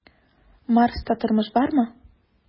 "марста тормыш бармы?"